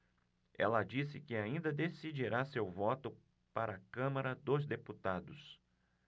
ela disse que ainda decidirá seu voto para a câmara dos deputados